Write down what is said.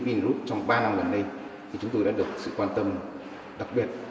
minh rút trong ba năm gần đây thì chúng tôi đã được sự quan tâm đặc biệt